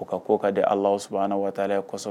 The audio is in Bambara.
U ka ko ka di ala sabanan waa kɔsɔn